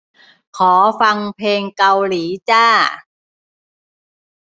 ขอฟังเพลงเกาหลีจ้า